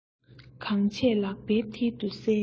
གང བྱས ལག པའི མཐིལ དུ གསལ ཡོང ངོ